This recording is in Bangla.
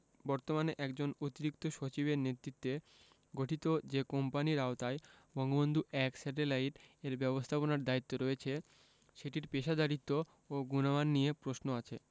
বর্তমানে একজন অতিরিক্ত সচিবের নেতৃত্বে গঠিত যে কোম্পানির আওতায় বঙ্গবন্ধু ১ স্যাটেলাইট এর ব্যবস্থাপনার দায়িত্ব রয়েছে সেটির পেশাদারিত্ব ও গুণমান নিয়ে প্রশ্ন আছে